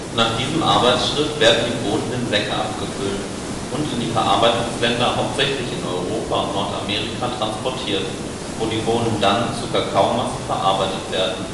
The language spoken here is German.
Nach diesem Arbeitsschritt werden die Bohnen in Säcke abgefüllt und in die Verarbeitungsländer, hauptsächlich in Europa und Nordamerika, transportiert, wo die Bohnen dann zu Kakaomasse verarbeitet werden